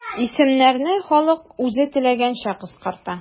Исемнәрне халык үзе теләгәнчә кыскарта.